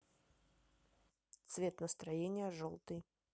цвет настроения желтый